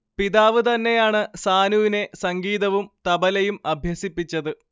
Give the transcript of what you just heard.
പിതാവ് തന്നെയാണ് സാനുവിനെ സംഗീതവും തബലയും അഭ്യസിപ്പിച്ചത്